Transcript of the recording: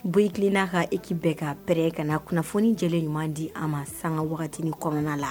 Bonyikile na ka équipe bɛ ka prêt ka na kunnafoni jɛlen ɲuman di an ma sanga wagati kɔnɔna la.